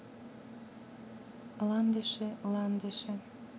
ландыши ландыши